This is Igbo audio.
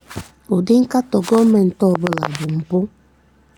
Ụdị nkatọ gọọmentị ọ bụla bụ mpụ